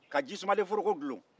ka ji sumalen foroko dulon